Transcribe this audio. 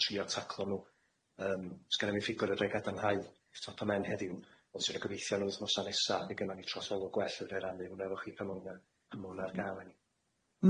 a a trio taclo nw yym sgenna fi'm ffigwr ydrai gadarnhau top 'y mhen heddiw ond 'swn i'n gobeithio yn yr wthnosa nesa fy' gynno ni troswelwg gwell fedra i rannu hwnna efo chi pan ma' hwnna pan ma' hwnna ar ga'l i ni.